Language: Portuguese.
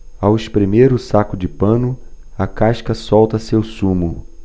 ao espremer o saco de pano a casca solta seu sumo